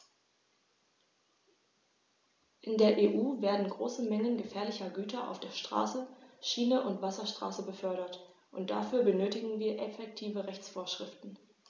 In der EU werden große Mengen gefährlicher Güter auf der Straße, Schiene und Wasserstraße befördert, und dafür benötigen wir effektive Rechtsvorschriften.